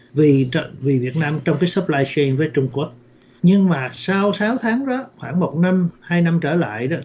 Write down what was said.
vì trận vì việt nam trong cái xốp lai xi với trung quốc nhưng mà sau sáu tháng đó khoảng một năm hai năm trở lại đó